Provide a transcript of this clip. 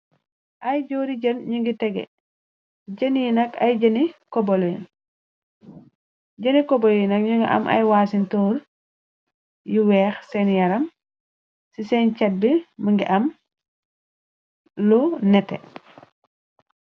Ay joori jën ñugi tege. jen yi nak ay cobo len, jen cobo nak nu am ay waasintor yu weex seen yaram, ci seen chat bi mingi am lu nete.